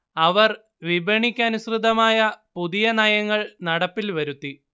അവർ വിപണിക്കനുസൃതമായ പുതിയ നയങ്ങൾ നടപ്പിൽ വരുത്തി